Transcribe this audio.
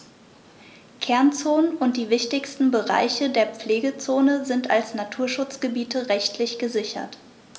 Kernzonen und die wichtigsten Bereiche der Pflegezone sind als Naturschutzgebiete rechtlich gesichert.